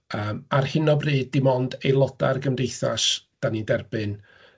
Yym ar hyn o bryd dim ond aeloda'r gymdeithas 'dan ni'n derbyn.